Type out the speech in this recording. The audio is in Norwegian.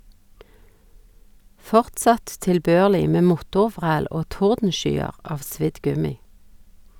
Fortsatt tilbørlig med motorvræl og tordenskyer av svidd gummi.